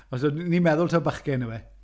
So ni'n meddwl taw bachgen yw e.